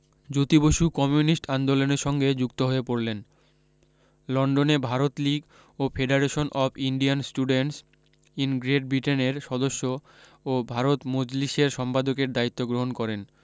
জ্যোতি Basu communist আন্দোলনের সঙ্গে যুক্ত হয়ে পড়লেন লন্ডনে ভারত লিগ ও federation of Indian students in great বৃটেনের সদস্য ও ভারত মজলিসের সম্পাদকের দায়িত্ব গ্রহন করেন